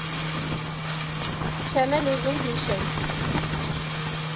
Չեմ էլ ուզում հիշել։